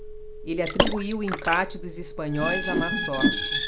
ele atribuiu o empate dos espanhóis à má sorte